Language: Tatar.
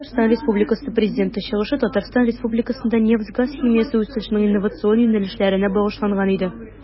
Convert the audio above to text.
ТР Президенты чыгышы Татарстан Республикасында нефть-газ химиясе үсешенең инновацион юнәлешләренә багышланган иде.